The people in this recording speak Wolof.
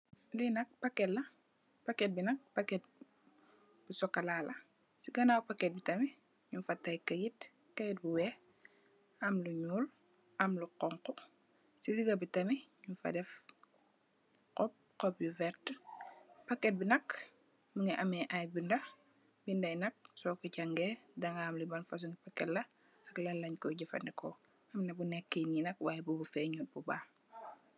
denak paket la, paket bu chocola, ci ganaw paket bi nak nyung fa tek kait bu weex am lu nul am lu khonkhu, ci diga bi tam nyung fa def khob yu verti, paket bi nak mungi am ai binda, binda yi nak soko jangeh dinga ham ban Faso paket la ak lanlenkoi jafendeko, amna bu neke ni wai binda bi lerut.